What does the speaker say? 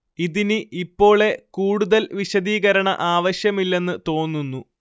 ഇതിനി ഇപ്പോളെ കൂടുതല്‍ വിശദീകരണ ആവശ്യമില്ലെന്ന് തോന്നുന്നു